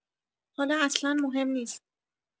حالا اصلا مهم نیست